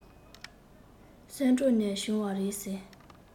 སོན གྲོ ནས བྱུང བ རེད ཟེར